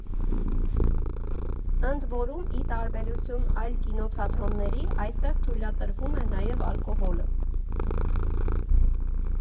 Ընդ որում, ի տարբերություն այլ կինոթատրոնների այստեղ թույլատրվում է նաև ալկոհոլը։